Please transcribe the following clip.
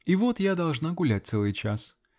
И вот я должна гулять целый час.